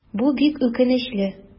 Бу бик үкенечле.